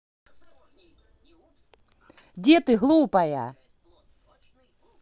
где ты глупая